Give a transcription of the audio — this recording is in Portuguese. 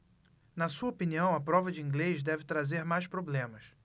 na sua opinião a prova de inglês deve trazer mais problemas